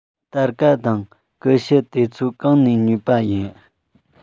སྟར ཁ དང ཀུ ཤུ དེ ཚོ གང ནས ཉོས པ ཡིན